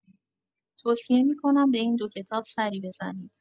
توصیه می‌کنم به این دو کتاب سری بزنید